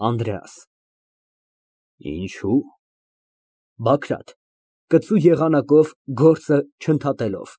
ԱՆԴՐԵԱՍ ֊ Ինչո՞ւ։ ԲԱԳՐԱՏ ֊ (Կծու եղանակով, գործը չընդհատելով)